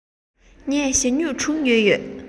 ངས ཞྭ སྨྱུག དྲུག ཉོས ཡོད